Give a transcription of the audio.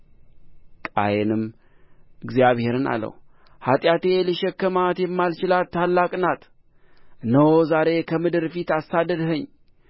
ቃየንም እግዚአብሔርን አለው ኃጢአቴ ልሸከማት የማልችላት ታላቅ ናት እነሆ ዛሬ ከምድር ፊት አሳደድኸኝ